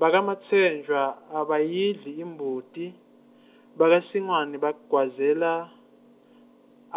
bakaMatsenjwa abayidli imbuti, bakaNsingwane baGwazela,